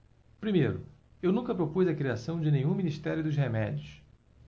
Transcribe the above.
primeiro eu nunca propus a criação de nenhum ministério dos remédios